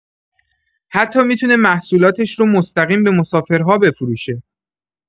حتی می‌تونه محصولاتش رو مستقیم به مسافرها بفروشه.